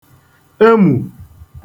emù